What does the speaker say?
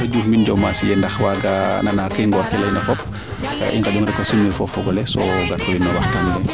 Daouda Diouf mbin Diomaye sine nda x waaaga nana ke ngoor ke ley na fop i nganjong rek o sim nir fo o fogole so gar koy no waxtaan le